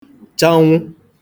chanwụ